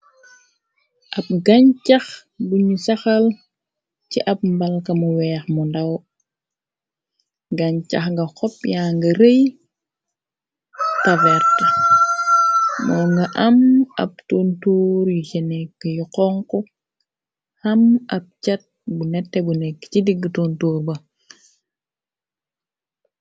Ab gañ cax buñu saxal ci ab mbalkamu weex mu ndaw gañcax nga xop yang rëy tavert moo nga am ab tontuur yu ca nekk yu xonk xam ab cat bu nette bu nekk ci digg tontour ba.